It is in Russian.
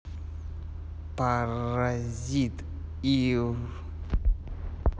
паразит ив